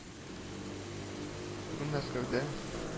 Бүген Мәскәүдә